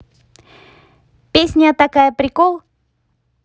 песня такая прикол